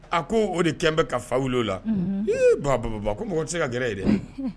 A ko o de kɛlen bɛ ka fa wolo la ba baba mɔgɔ tɛ se ka gɛrɛ ye dɛ